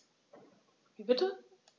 Wie bitte?